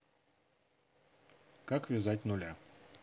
как вязать нуля